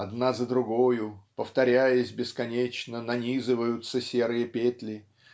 "одна за другою, повторяясь бесконечно, нанизываются серые петли